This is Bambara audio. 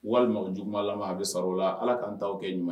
Walima jugu'a a bɛ sɔrɔ o la ala k kaan taaaw kɛ ɲuman ye